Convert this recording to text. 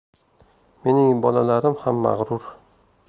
mening bolalarim ham mag'rur